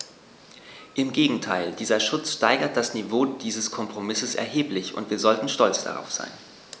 Im Gegenteil: Dieser Schutz steigert das Niveau dieses Kompromisses erheblich, und wir sollten stolz darauf sein.